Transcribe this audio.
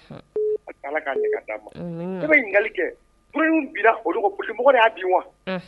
Li kɛ kuma bila omɔgɔ y'a bi wa